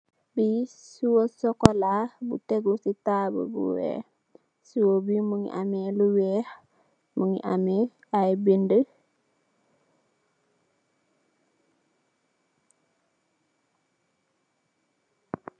Bi sow sokola bu tégu ci taabl bu weeh. Sow bi mungi ameh lu weeh, mungi ameh ay bindd.